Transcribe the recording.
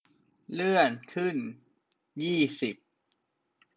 เลื่อนขึ้นยี่สิบ